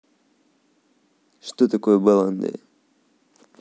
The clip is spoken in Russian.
что такое баланда